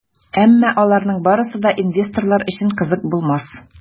Әмма аларның барысы да инвесторлар өчен кызык булмас.